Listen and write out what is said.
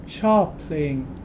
ชอบเพลง